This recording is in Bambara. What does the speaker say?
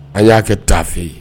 An y'a kɛ taa fɛ ye